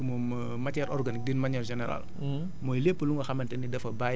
bon léegi bu ñu bëggee tënk moom matière organique d' une manière générale